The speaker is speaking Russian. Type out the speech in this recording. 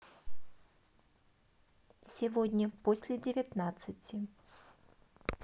сегодня после девятнадцати